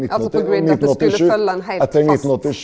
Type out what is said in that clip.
altså på griden, at det skulle følga ein heilt fast.